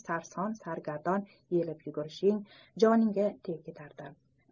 sarson sargardon yelib yugurish joningga tegib ketadi